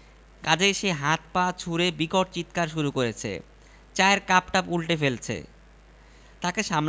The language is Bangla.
সমগ্র দর্শক দারুণ টেনশনে ঘটনার পরিণতির জন্যে অপেক্ষা করছে বেকায়দা পরিস্থিতির